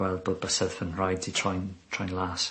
gweld bo' bysedd fy nhraed 'di troi'n troi'n las.